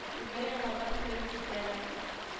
Күлгә яңадан кереп китәләр